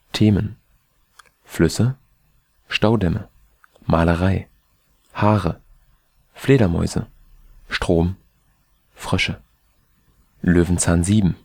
Themen: Flüsse, Staudämme, Malerei, Haare, Fledermäuse, Strom, Frösche) Löwenzahn 7